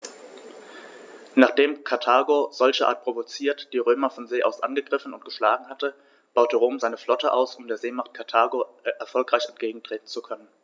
Nachdem Karthago, solcherart provoziert, die Römer von See aus angegriffen und geschlagen hatte, baute Rom seine Flotte aus, um der Seemacht Karthago erfolgreich entgegentreten zu können.